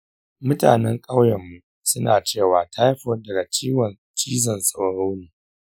mutanen ƙauyenmu suna cewa taifoid daga cizon sauro ne.